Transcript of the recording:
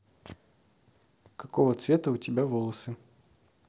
какого цвета у тебя волосы